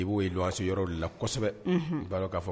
I bo luwanze yɔrɔ de la kosɛbɛ. I ba dɔn ka fɔ